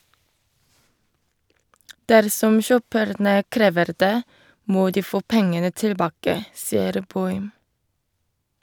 - Dersom kjøperne krever det, må de få pengene tilbake , sier Boym.